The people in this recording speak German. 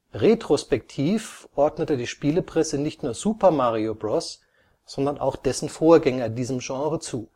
Retrospektiv ordnete die Spielepresse nicht nur Super Mario Bros., sondern auch dessen Vorgänger diesem Genre zu